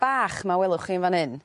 bach 'ma welwch chi yn fan 'yn